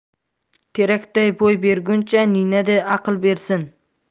terakday bo'y berguncha ninaday aql bersin